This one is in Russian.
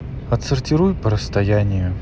отсортируй по расстоянию